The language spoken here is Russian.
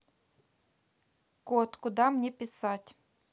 код куда мне писать